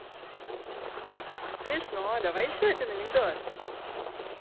смешно давай еще один анекдот